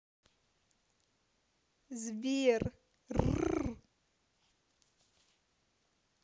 сбер ррр